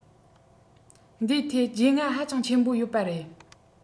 འདིའི ཐད རྒྱུས མངའ ཧ ཅང ཆེན པོ ཡོད པ རེད